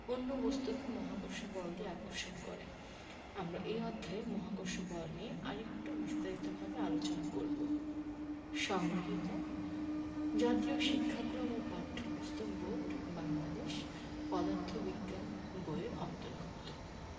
অন্য বস্তুকে মহাকর্ষ বল দিয়ে আকর্ষণ করে আমরা এই অধ্যায়ে মহাকর্ষ বল নিয়ে আরেকটু বিস্তারিতভাবে আলোচনা করব সংগৃহীত জাতীয় শিক্ষাক্রম ও পাঠ্যপুস্তক বোর্ড বাংলাদেশ পদার্থ বিজ্ঞান বই এর অন্তর্ভুক্ত